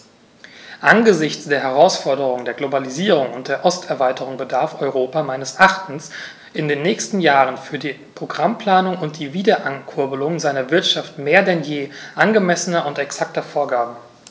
Angesichts der Herausforderung der Globalisierung und der Osterweiterung bedarf Europa meines Erachtens in den nächsten Jahren für die Programmplanung und die Wiederankurbelung seiner Wirtschaft mehr denn je angemessener und exakter Vorgaben.